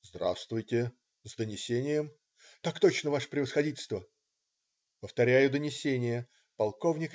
"Здравствуйте, с донесением?" - "Так точно, Ваше Превосходительство". Повторяю донесение. "Полк.